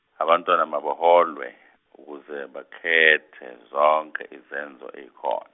abantwana mabaholwe ukuze bakhethe zonke izenzo ekhon-.